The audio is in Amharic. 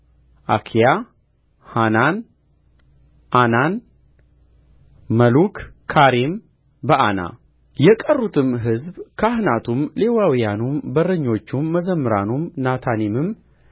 አኪያ ሐናን ዓናን መሉክ ካሪም በዓና የቀሩትም ሕዝብ ካህናቱም ሌዋውያኑም በረኞቹም መዘምራንም ናታኒምም